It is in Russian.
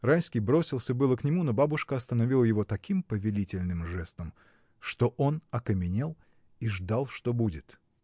Райский бросился было к нему, но бабушка остановила его таким повелительным жестом, что он окаменел и ждал, что будет.